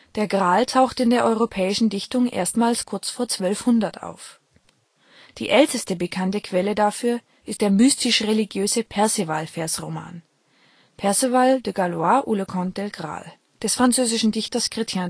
Der Gral taucht in der europäischen Dichtung erstmals kurz vor 1200 auf. Die älteste bekannte Quelle dafür ist der mystisch-religiöse Perceval-Versroman (Perceval de Gallois ou Le Conte del Graal) des französischen Dichters Chrétien